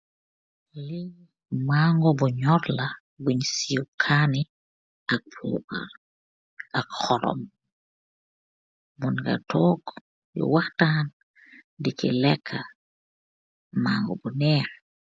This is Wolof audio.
mango bu am kaneh ak orram.